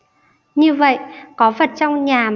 như vậy có phật trong nhà